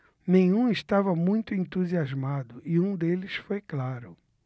nenhum estava muito entusiasmado e um deles foi claro